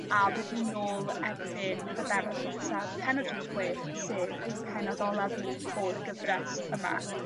a bydd hi nôl erbyn y berod nesaf pennod rhif chwech sef ein pennod olaf ni o'r gyfres yma.